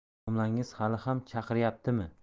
domlangiz hali ham chaqiryaptimi